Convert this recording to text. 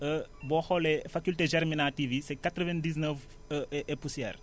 boo xoolee faculté germinative bi c' est quatre vingt dix neuf et poussière